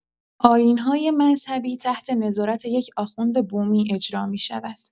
آیین‌های مذهبی تحت نظارت یک آخوند بومی اجرا می‌شود.